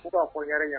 U'' fɔ yɛrɛ yan